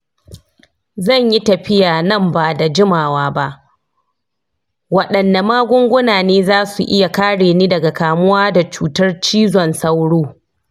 zan yi tafiya nan ba da jimawa ba, waɗanne magunguna ne za su iya kare ni daga kamuwa da cutar cizon sauro?